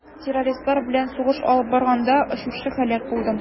Террористлар белән сугыш алып барганда очучы һәлак булды.